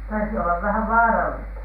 taisi olla vähän vaarallista